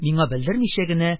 Миңа белдермичә генә,